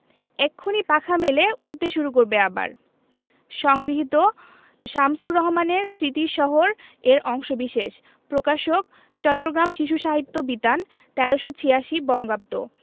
এক্ষুনি পাখা মেলে উড়তে শুরু করবে আবার সংগৃহীত শামসুর রহমানের স্মৃতির শহর এর অংশবিশেষ প্রকাশকঃ চট্টগ্রাম শিশু সাহিত্য বিতান ১৩৮৬ বঙ্গাব্দ